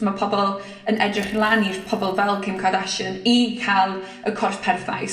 ma' pobol yn edrych lan i'r pobl fel Kim Kardashian i ca'l y corff perffaith.